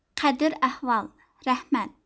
قەدىر ئەھۋال رەھمەت